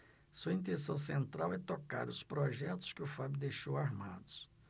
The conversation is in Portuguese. sua intenção central é tocar os projetos que o fábio deixou armados